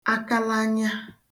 akalaanya